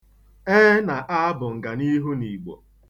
'E' na 'A' bụ nganihu n'Igbo.̣